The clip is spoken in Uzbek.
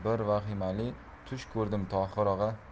vahimali tush ko'rdim tohir og'a